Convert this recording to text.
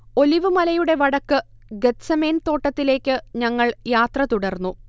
olive മലയുടെ വടക്ക് Gethsemane തോട്ടത്തിലേക്ക് ഞങ്ങൾ യാത്ര തുടർന്നു